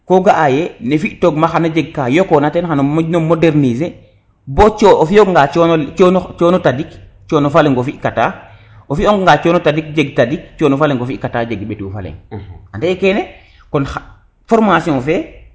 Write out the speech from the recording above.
ko ga aye ne fi togona xana jeg ka yokona ten xan moƴ na moderniser bo o fiyo ganga cono cono tadik cono fa leng o fika ta o fiyoga nga cono tadik jeg tadik cono fa leng o fi kata jeg ɓetu fa leng ande kene kon formation fe